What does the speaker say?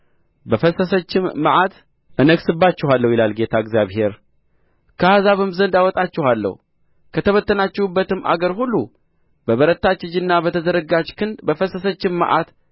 በፈሰሰችም መዓት እነግሥባችኋለሁ ይላል ጌታ እግዚአብሔር ከአሕዛብም ዘንድ አወጣችኋለሁ ከተበተናችሁባትም አገር ሁሉ በበረታች እጅና በተዘረጋች ክንድ በፈሰሰችም መዓት